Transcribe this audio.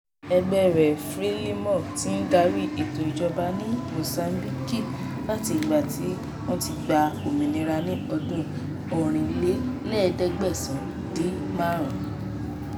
Ẹgbẹ́ rẹ̀ Frelimo ti ń darí ètò ìjọba ní Mozambique láti ìgbà tí wọ́n gba òmìnira ní ọdún 1975.